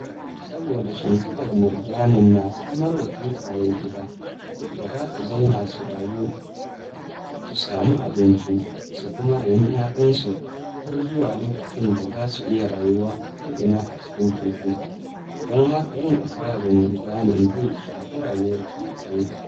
Saboda shimfiɗar murjanin na samarwa kifaye gida da za su zauna su rayu su samu abinci su kuma raini 'ya'yansu har zuwa lokacin da za su iya rayuwa a ko'ina a cikin teku, don haka yin asarar murjanin zai shafi rayuwar kifaye.